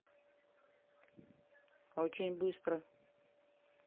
очень быстро